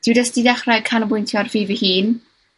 dwi jyst 'di dechrau canolbwyntio ar fi fy hun.